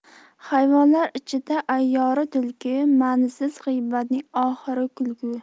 hayvonlar ichida ayyori tulki ma'nisiz g'iybatning oxiri kulki